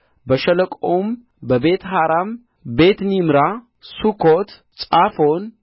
በሸለቆውም ቤትሀራም ቤትኒምራ ሱኮት ጻፎን